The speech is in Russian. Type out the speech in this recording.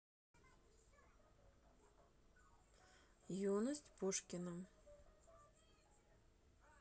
юность пушкина